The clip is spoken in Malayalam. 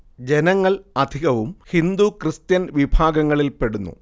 ജനങ്ങൾ അധികവും ഹിന്ദു ക്രിസ്ത്യൻ വിഭാഗങ്ങളിൽ പെടുന്നു